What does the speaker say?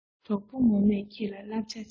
གྲོགས པོ ངོ མས ཁྱེད ལ སླབ བྱ བྱེད